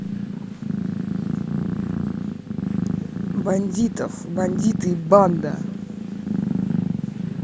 бандитов бандиты банда